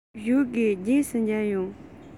བཞུགས དགོས རྗེས སུ མཇལ ཡོང